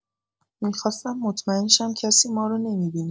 می‌خواستم مطمتئن شم کسی مارو نمی‌بینه